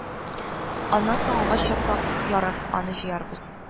Аннан соң агач яфрак ярыр, аны җыярбыз